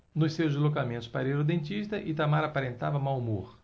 nos seus deslocamentos para ir ao dentista itamar aparentava mau humor